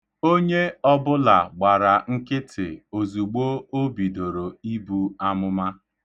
Onye ọbụla gbara nkịtị ozugbo o bidoro ibu amụma.